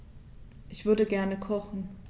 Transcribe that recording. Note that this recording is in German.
Ich würde gerne kochen.